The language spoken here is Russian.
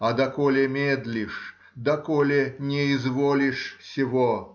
а доколе медлишь, доколе не изволишь сего.